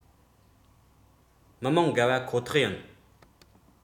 མི མང དགའ བ ཁོ ཐག ཡིན